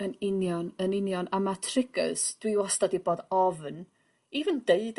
Yn union yn union a ma' triggers dwi wastad 'di bod ofn even deud